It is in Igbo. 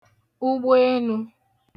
ụgbọ enū